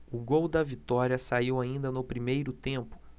o gol da vitória saiu ainda no primeiro tempo